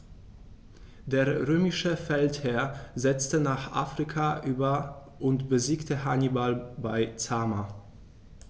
Der römische Feldherr setzte nach Afrika über und besiegte Hannibal bei Zama.